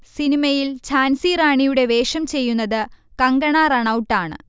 സിനിമയിൽ ഝാൻസി റാണിയുടെ വേഷം ചെയ്യുന്നത് കങ്കണ റണൗട്ടാണ്